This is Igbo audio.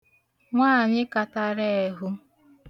nwaànyi katara ẹ̀hu